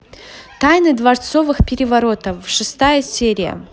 тайны дворцовых переворотов шестая серия